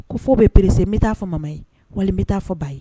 Ko fo bɛ pere n bɛ t taaa fɔ mama ma ye wali n bɛ t'a fɔ ba ye